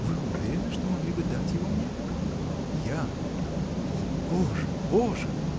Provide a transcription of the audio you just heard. — Вы уверены, что могли бы дать его мне? — Я — о Боже, Боже!